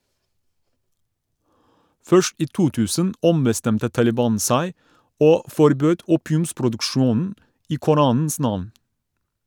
Først i 2000 ombestemte Taliban seg, og forbød opiumsproduksjonen i koranens navn.